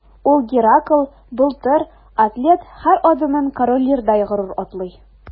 Ул – Геракл, Былтыр, атлет – һәр адымын Король Лирдай горур атлый.